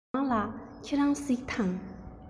ཞའོ ཝང ལགས ཁྱེད རང གཟིགས དང